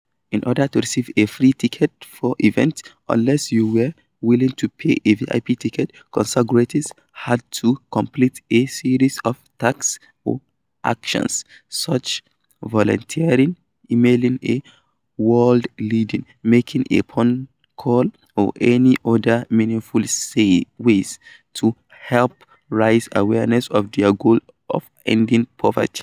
In order to receive a free ticket for the event (unless you were willing to pay for a VIP ticket), concertgoers had to complete a series of tasks, or "actions" such volunteering, emailing a world leader, making a phone call or any other meaningful ways to help raise awareness of their goal of ending poverty.